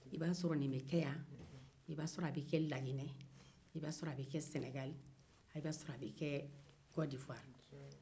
i b'a sɔrɔ nin bɛ kɛ yan a bɛ kɛ laginɛ sɛnɛgali kɔdiwari